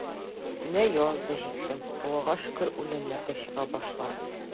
Сабантуйдан соң, июньнең 20-ләрендә башлап, июльдә эшне тәмамлап та куйдык.